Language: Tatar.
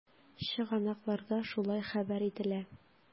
Чыганакларда шулай хәбәр ителә.